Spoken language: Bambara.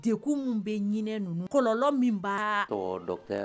Dekumu bɛ ɲin n ninnu kɔnɔlɔ minba o dɔ